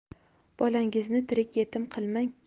bolangizni tirik yetim qilmang